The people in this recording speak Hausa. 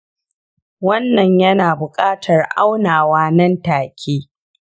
wannan ya na buƙatar aunawa nan-take